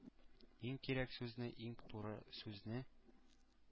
Иң кирәк сүзне, иң туры сүзне